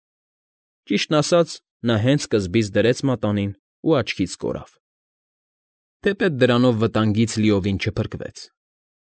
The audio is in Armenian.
Ճիշտն ասած, նա հենց սկզբից դրեց մատանին ու աչքից կորավ, թեպետ դրանով վտանգից լիովին չփրկվեց։